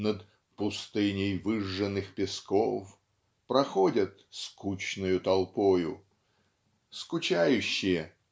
над "пустыней выжженных песков" проходят "скучною толпою" скучающие